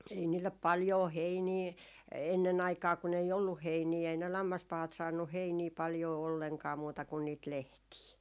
ei niille paljoa heiniä ennen aikaan kun ei ollut heiniä ei ne lammaspahat saanut heiniä paljoa ollenkaan muuta kuin niitä lehtiä